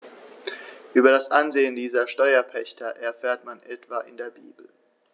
Über das Ansehen dieser Steuerpächter erfährt man etwa in der Bibel.